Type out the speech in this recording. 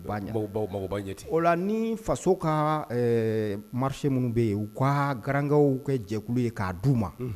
Magoba ɲɛ ten, o la ni faso ka marché minnu bɛ yen nɔ u ka garankewkɛ jɛkulu ye k'a d' u ma